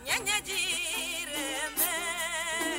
Ɲɔ ɲɛtigi b'i tile